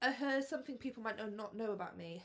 Yy her something people might not know about me.